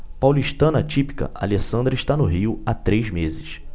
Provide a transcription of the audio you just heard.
paulistana típica alessandra está no rio há três meses